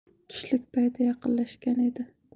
tushlik payti yaqinlashgan edi